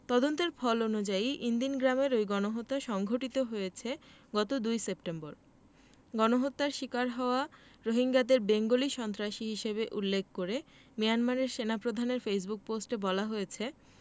তদন্তের ফল অনুযায়ী ইনদিন গ্রামের ওই গণহত্যা সংঘটিত হয়েছে গত ২ সেপ্টেম্বর গণহত্যার শিকার হওয়া রোহিঙ্গাদের বেঙ্গলি সন্ত্রাসী হিসেবে উল্লেখ করে মিয়ানমারের সেনাপ্রধানের ফেসবুক পোস্টে বলা হয়েছে